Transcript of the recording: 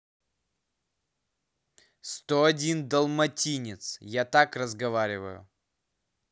сто один далматинец я так разговариваю